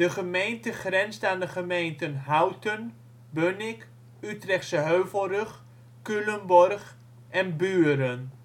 gemeente grenst aan de gemeenten Houten, Bunnik, Utrechtse Heuvelrug, Culemborg en Buren